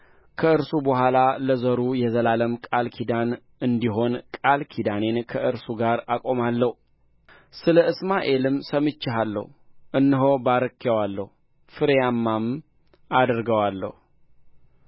ከእርሱ በኋላ ለዘሩ የዘላለም ቃል ኪዳን እንዲሆን ቃል ኪዳኔን ከእርሱ ጋር አቆማለሁ ስለ እስማኤልም ሰምቼሃለሁ እነሆ ባርኬዋለሁ ፍሬያምም አደርገዋለሁ